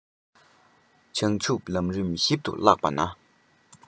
བྱང ཆུབ ལམ རིམ ཞིབ ཏུ བཀླགས པ ན